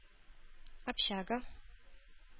Общага